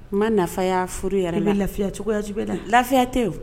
N ma nafa yya furu yɛrɛ lafiya cogoyayajibi bɛ da lafiya tɛ